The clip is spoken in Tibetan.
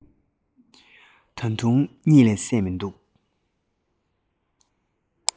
ད དུང གཉིད ལས སད མི འདུག